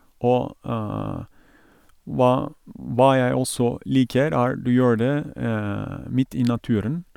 Og hva hva jeg også liker er, du gjør det midt i naturen.